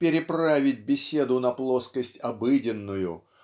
переправить беседу на плоскость обыденную